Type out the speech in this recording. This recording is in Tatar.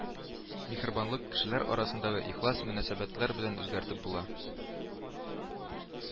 Миһербанлылык, кешеләр арасындагы ихлас мөнәсәбәтләр белән үзгәртеп була